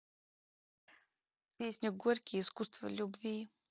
песня горький искусство любви